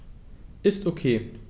Ist OK.